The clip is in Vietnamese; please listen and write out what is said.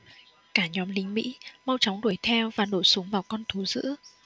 cả nhóm lính mỹ mau chóng đuổi theo và nổ súng vào con thú dữ